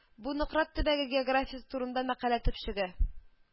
Бу Нократ төбәге географиясе турында мәкалә төпчеге